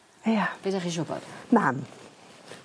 Ia. Be' 'dach chi isio wbod? Mam.